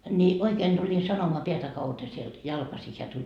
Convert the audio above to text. niin oikein tulin sanomaan päätä kautta sieltä jalkaisin hän tuli